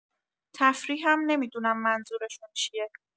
تفریحم نمی‌دونم منظورشون چیه.